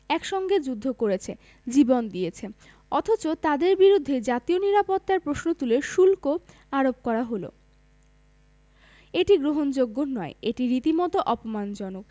একসঙ্গে যুদ্ধ করেছে জীবন দিয়েছে অথচ তাঁদের বিরুদ্ধেই জাতীয় নিরাপত্তার প্রশ্ন তুলে শুল্ক আরোপ করা হলো এটি গ্রহণযোগ্য নয় এটি রীতিমতো অপমানজনক